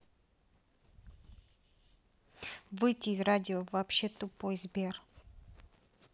выйти из радио вообще тупой сбер